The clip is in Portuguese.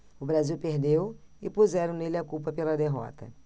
o brasil perdeu e puseram nele a culpa pela derrota